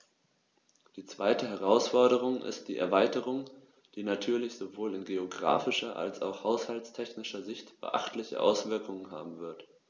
Die zweite Herausforderung ist die Erweiterung, die natürlich sowohl in geographischer als auch haushaltstechnischer Sicht beachtliche Auswirkungen haben wird.